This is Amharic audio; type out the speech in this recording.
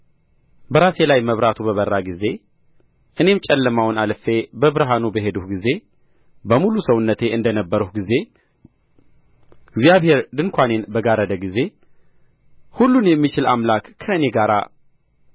በራሴ ላይ መብራቱ በበራ ጊዜ እኔም ጨለማውን አልፌ በብርሃኑ በሄድሁ ጊዜ በሙሉ ሰውነቴ እንደ ነበርሁ ጊዜ እግዚአብሔር ድንኳኔን በጋረደ ጊዜ ሁሉን የሚችል አምላክ ከእኔ ጋር